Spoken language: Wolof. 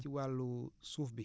ci wàllu suuf bi